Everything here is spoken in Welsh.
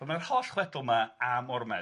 Wel ma'r holl chwedl 'ma am ormes.